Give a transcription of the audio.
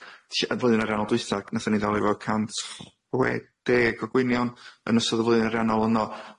'Ll- yn flwyddyn ariannol dwytha, nathon ni ddelio 'fo cant chwe deg o gwynion yn ystod y flwyddyn ariannol honno.